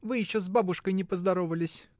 Вы еще с бабушкой не поздоровались!